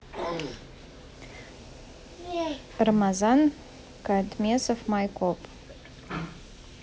рамазан кайтмесов майкоп